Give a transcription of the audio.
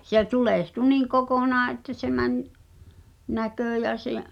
se tulehtui niin kokonaan että se meni näkö ja se